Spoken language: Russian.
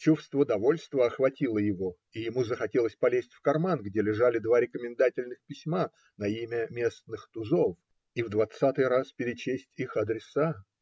" Чувство довольства охватило его, и ему захотелось полезть в карман, где лежали два рекомендательные письма на имя местных тузов, и в двадцатый раз перечесть их адресы.